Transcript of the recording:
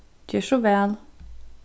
ger so væl